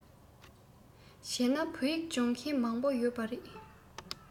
བྱས ན བོད ཡིག སྦྱོང མཁན མང པོ ཡོད པ རེད